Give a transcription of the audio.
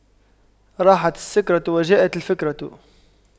راحت السكرة وجاءت الفكرة